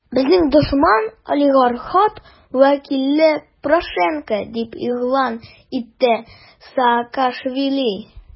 Безнең дошман - олигархат вәкиле Порошенко, - дип игълан итте Саакашвили.